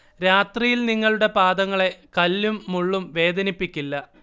രാത്രിയിൽ നിങ്ങളുടെ പാദങ്ങളെ കല്ലും മുള്ളും വേദനിപ്പിക്കില്ല